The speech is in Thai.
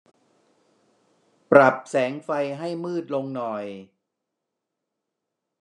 ปรับแสงไฟให้มืดลงหน่อย